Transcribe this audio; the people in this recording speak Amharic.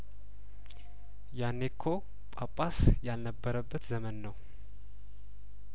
ያኔ እኮ ጳጳስ ያልነበረበት ዘመን ነው